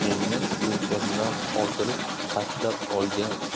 yelkasidan oshirib tashlab olgan